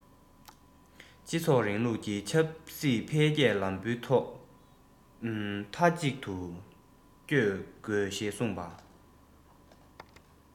སྤྱི ཚོགས རིང ལུགས ཀྱི ཆབ སྲིད འཕེལ རྒྱས ལམ བུའི ཐོག མཐའ གཅིག ཏུ སྐྱོད དགོས ཞེས གསུངས པ